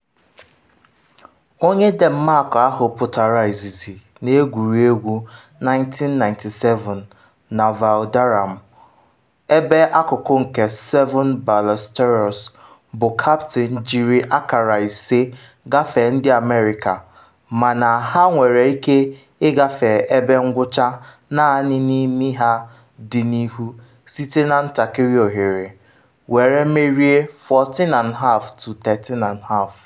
Onye Denmark ahụ pụtara izizi na egwuregwu 1997 na Valderrama, ebe akụkụ nke Seven Ballesteros bụ Captain jiri akara ise gafee ndị America mana ha nwere ike ịgafe ebe ngwucha naanị na imi ha dị n’ihu site na ntakịrị oghere, were merie 14½-13½.